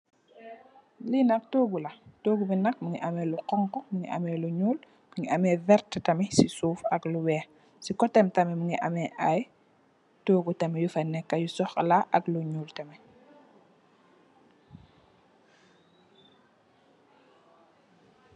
Li nak toogu la, toogu bi nak mungi ameh lu honku, mungi lu ñuul, mungi ameh vert tamit ci suuf ak lu weeh. Ci kotem tamit mungi ameh ay toogu tamit yu fa nekka yu sokola ak yi ñuul tamit.